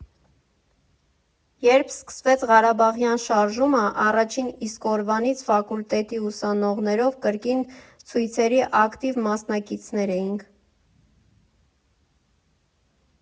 , երբ սկսվեց Ղարաբաղյան շարժումը, առաջին իսկ օրվանից ֆակուլտետի ուսանողներով կրկին ցույցերի ակտիվ մասնակիցներն էինք։